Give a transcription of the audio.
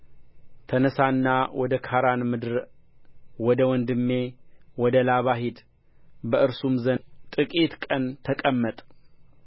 ተነሣና ወደ ካራን ምድር ወደ ወንድሜ ወደ ላባ ሂድ በእርሱም ዘንድ ጥቂት ቀን ተቀመጥ